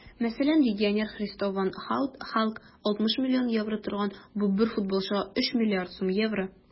Мәсәлән, легионер Кристоф ван Һаут (Халк) 60 млн евро торган - бу бер футболчыга 3 млрд сум евро!